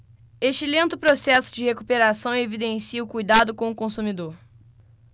este lento processo de recuperação evidencia o cuidado com o consumidor